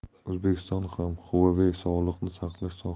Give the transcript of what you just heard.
o'zbekistonda ham huawei sog'liqni saqlash